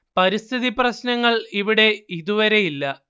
പരിസ്ഥിതി പ്രശ്നങ്ങൾ ഇവിടെ ഇതുവരെയില്ല